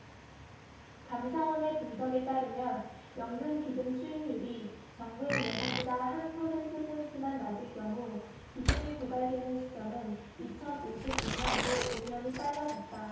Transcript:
감사원의 분석에 따르면 연금기금수익률이 정부의 예상보다 한 퍼센트포인트만 낮을 경우 기금이 고갈되는 시점은 이천 오십 오 년으로 오 년이 빨라졌다